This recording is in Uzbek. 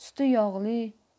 suti yog'li